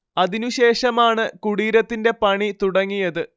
അതിനുശേഷമാണ് കുടീരത്തിന്റെ പണി തുടങ്ങിയത്